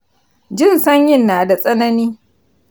jin sanyin nada tsanani